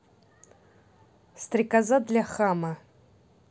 стрекоза для хама